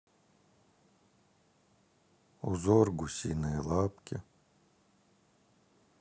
узор гусиные лапки